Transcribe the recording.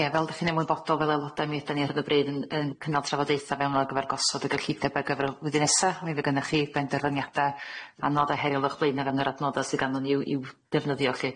Ie fel dach chi'n ymwybodol fel aeloda mi ydan ni ar y bryd yn yn cynnal trafodaetha fewn o ar gyfer gosod y gyrllideb ar gyfer y flwyddyn nesa oni fe gynnoch chi ben dy rhyniada anodd a heriol o'ch blaen a fewn yr adnoda sy ganddon ni yw yw defnyddio lly.